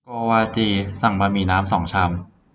โกวาจีสั่งบะหมี่น้ำสองชาม